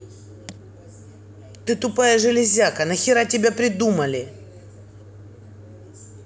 ты тупая железка нахера тебя придумали